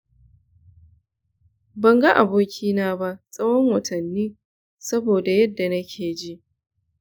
ban ga abokaina ba tsawon watanni saboda yadda nake ji.